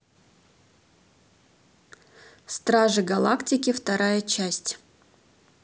стражи галактики вторая часть